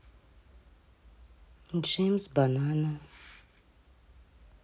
джеймс банана